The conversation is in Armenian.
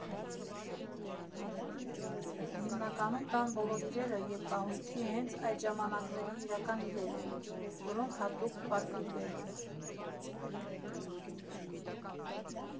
Հիմնականում տան բոլոր իրերը և կահույքը հենց այդ ժամանակների իրական իրեր են, որոնք հատուկ պատվիրվել են։